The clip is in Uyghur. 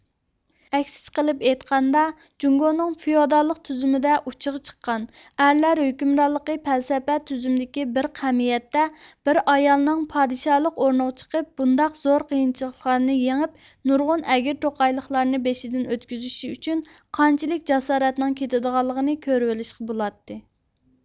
ئەكسىچە قىلىپ ئېيتقاندا جۇڭگۇنىڭ فىئوداللىق تۈزۈمىدە ئۇچچىغا چىققان ئەرلەر ھۆكۈمرانلىقى پەلسەپە تۈزۈمدىكى بىر قەمىيەتتە بىر ئايالنىڭ پادىشالىق ئورنىغا چىقىپ بۇنداق زور قىينچىلىقلارنى يېڭىپ نۇرغۇن ئەگىر توقايلىقلارنى بېشىدىن ئۆتكۈزۈشى ئۈچۈن قانچىلىك جاسارەتنىڭ كېتىدىغانلىقىنى كۆرۈۋېلىشقا بولاتتى